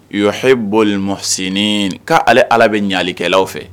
U h bɔ nɔ sen k' ale ala bɛ ɲalikɛlaw fɛ